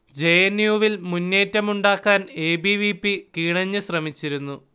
J. N. U. വിൽ മുന്നേറ്റം ഉണ്ടാക്കാൻ എ. ബി. വി. പി കിണഞ്ഞ് ശ്രമിച്ചിരുന്നു